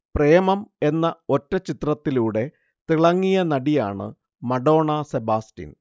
പ്രേമം എന്ന ഒറ്റ ചിത്രത്തിലൂടെ തിളങ്ങിയ നടിയാണ് മഡോണ സെബാസ്റ്റ്യൻ